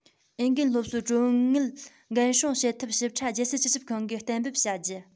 འོས འགན སློབ གསོའི གྲོན དངུལ འགན སྲུང བྱེད ཐབས ཞིབ ཕྲ རྒྱལ སྲིད སྤྱི ཁྱབ ཁང གིས གཏན འབེབས བྱ རྒྱུ